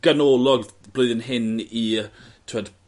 ganolog blwyddyn hyn i yy Avermaet t'wod